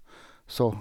Så...